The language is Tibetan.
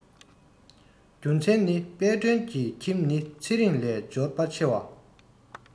རྒྱུ མཚན ནི དཔལ སྒྲོན གྱི ཁྱིམ ནི ཚེ རིང ལས འབྱོར པ ཆེ བ